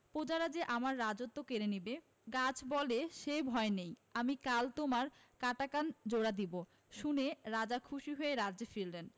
প্রজারা যে আমার রাজত্ব কেড়ে নেবে গাছ বলে সে ভয় নেই আমি কাল তোমার কাটা কান জোড়া দেব শুনে রাজা খুশি হয়ে রাজ্যে ফিরলেন